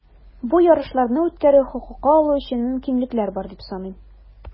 Бу ярышларны үткәрү хокукы алу өчен мөмкинлекләр бар, дип саныйм.